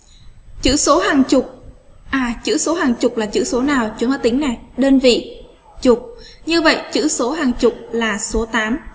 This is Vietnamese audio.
chữ số hàng chục chữ số hàng chục là chữ số nào chia hết tính đơn vị chụp như vậy chữ số hàng chục là số